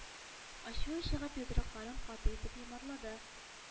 Ачуы чыгып йодрыкларын каты итеп йомарлады